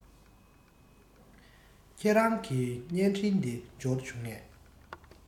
ཁྱེད རང གི བརྙན འཕྲིན དེ འབྱོར བྱུང ངས